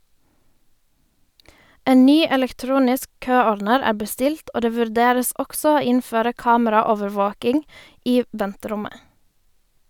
En ny elektronisk køordner er bestilt, og det vurderes også å innføre kameraovervåking i venterommet.